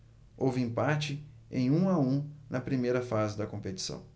houve empate em um a um na primeira fase da competição